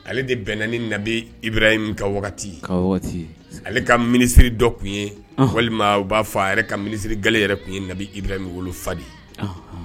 Ale de bɛnna ni nabi Ibarahima ka wagati ye. Ale ka ministre dɔ tun ye walima u ba fɔ a yɛrɛ ka ministre gale yɛrɛ kun ye Nabi Ibarahima fa de ye.